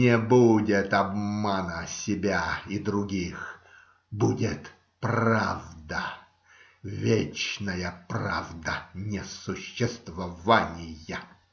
Не будет обмана себя и других, будет правда, вечная правда несуществования.